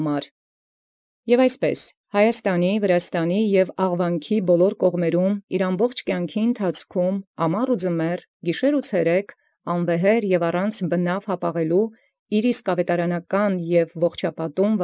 Եւ այնպէս յամենայն կողմանս Հայոց, Վրաց և Աղուանից զամենայն ժամանակս կենաց իւրոց, զամառն և զձմեռն, զտիւ և զգիշեր՝ անվեհեր և առանց յապաղելոյ իւրով իսկ աւետարանական և ողջապատում։